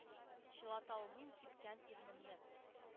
Чылаталмыйм кипкән ирнемне!